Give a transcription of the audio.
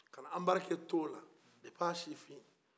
ka na anbarike to o la kabini a sifin